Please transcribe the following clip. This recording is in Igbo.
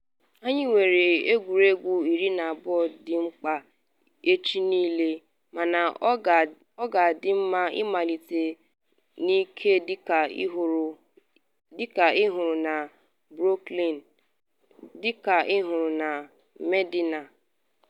“Anyị nwere egwuregwu 12 dị mkpa echi niile, mana ọ ga-adị mma ịmalite n’ike dịka ịhụrụ na Brookline, dịka ịhụrụ na Medinah.